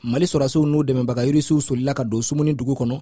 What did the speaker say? mali sɔrɔdasiw n'u dɛmɛbagaw irisiw solila ka don sumuni dugu kɔnɔ